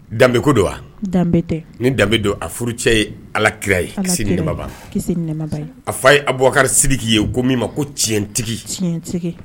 Danbebeko don wa danbetɛ ni danbebe don a furu cɛ ye alakira ye kisi ni nɛ a fa ye awakarisiri k'i ye ko min' ma ko tiɲɛtigi tiɲɛtigi